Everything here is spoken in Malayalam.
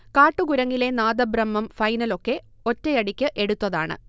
കാട്ടുകുരങ്ങിലെ നാദബ്രഹ്മം ഫൈനലൊക്കെ ഒറ്റയടിക്ക് എടുത്തതാണ്